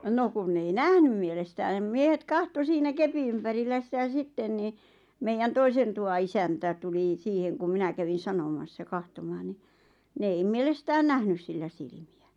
no kun ne ei nähnyt mielestään ne miehet katsoi siinä kepin ympärillä sitä sitten niin meidän toisen tuvan isäntä tuli siihen kun minä kävin sanomassa katsomaan niin ne ei mielestään nähnyt sillä silmiä